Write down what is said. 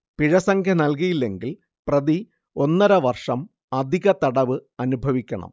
പിഴസംഖ്യ നൽകിയില്ലെങ്കിൽ പ്രതി ഒന്നരവർഷം അധിക തടവ് അനുഭവിക്കണം